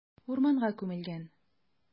Урманга күмелгән.